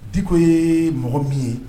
Diko ye mɔgɔ min ye